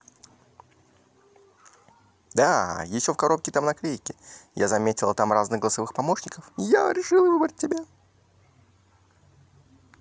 да еще в коробке там наклейки я заметила там разных голосовых помощников я решила выбрать тебя